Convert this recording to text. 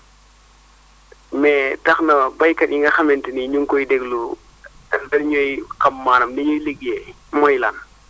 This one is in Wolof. mais tax na baykat yi nga xamante ni ñu ngi koy déglu dañuy xam maanaam ni ñuy liggéeyee mooy lan